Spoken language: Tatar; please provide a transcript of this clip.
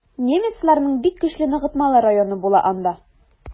Немецларның бик көчле ныгытмалы районы була анда.